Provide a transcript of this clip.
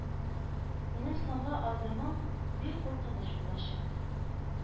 Минем соңгы адымым бик куркыныч булачак